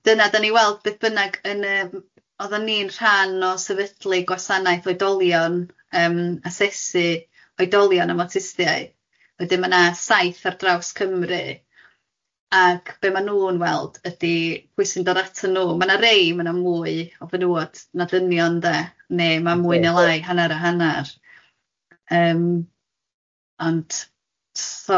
dyna dan ni'n weld be bynnag yn yym oeddan ni'n rhan o sefydlu gwasanaeth oedolion yym asesu oedolion am autistiau, wedyn ma' na saith ar draws Cymru, ac be ma nhw'n weld ydy pwy sy'n dod aton nhw, ma' na rei, ma' na mwy o fenywod, ma dynion de neu ma' mwy neu lai hanner a hanner yym ond so ia,